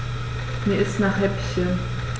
Mir ist nach Häppchen.